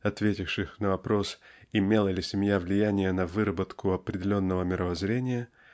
ответивших на вопрос -- имела ли семья влияние на выработку определенного мировоззрения